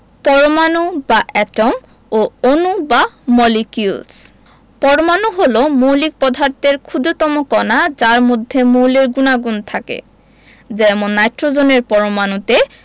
পরমাণু বা এটম ও অণু বা মলিকিউলস পরমাণু হলো মৌলিক পদার্থের ক্ষুদ্রতম কণা যার মধ্যে মৌলের গুণাগুণ থাকে যেমন নাইট্রোজেনের পরমাণুতে